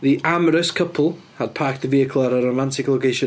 The amorous couple had parked the vehicle at a romantic location...